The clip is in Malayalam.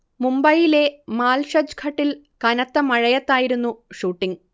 മുംബൈയിലെ മാൽഷജ് ഘട്ടിൽ കനത്ത മഴത്തായിരുന്നു ഷൂട്ടിങ്ങ്